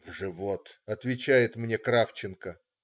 "В живот",- отвечает мне Кравченко.